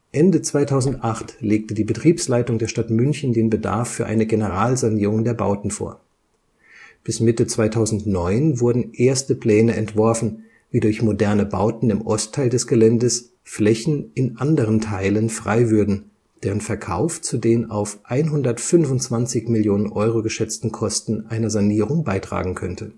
Ende 2008 legte die Betriebsleitung der Stadt München den Bedarf für eine Generalsanierung der Bauten vor. Bis Mitte 2009 wurden erste Pläne entworfen, wie durch moderne Bauten im Ostteil des Geländes Flächen in anderen Teilen frei würden, deren Verkauf zu den auf 125 Millionen Euro geschätzten Kosten einer Sanierung beitragen könnte